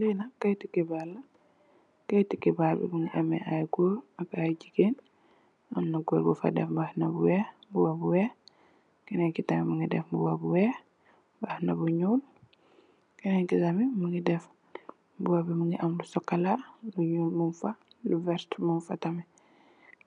Linak kaiiti xibarr la kaiiti xibarr bi nak mungi ameh ayy gorr ak ayy gigeen amna gorr bufa deff mbaxna bu wekh mbuba bu wekh kenen ki tamit mungi deff mbuba bu wekh mbaxna bu nyul kenen ki tamit mungi deff mbubabi mungi am lu socola lu nyul mungfa lu vertt mungfa tamit